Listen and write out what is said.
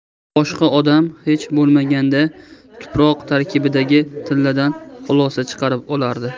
boshqa odam hech bo'lmaganda tuproq tarkibidagi tilladan xulosa chiqarib olardi